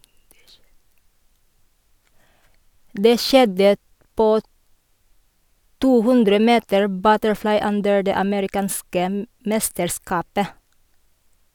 Det skjedde på 200 meter butterfly under det amerikanske mesterskapet.